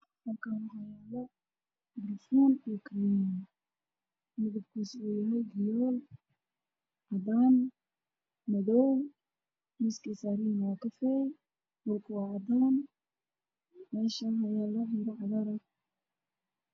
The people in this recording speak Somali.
Halkaan waxaa yaalo baraafuun iyo kareem midabkiisu waa fiyool, madow iyo cadaan miiska ay saaran yihiin waa kafay, dhulkana waa cadaan, meesha waxaa yaalo wax yaroo cagaar ah.